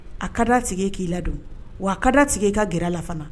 A ka sigi k'i ladon wa a ka sigi i ka g lafana